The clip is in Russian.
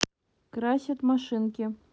красят машинки